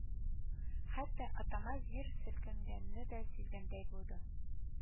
Хәтта Атамась җир селкенгәнне дә сизгәндәй булды